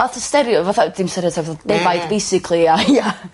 ...lot o stereo- fatha dim stereotype fatha defaid basically a ia...